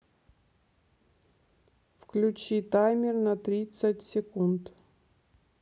включи таймер на тридцать секунд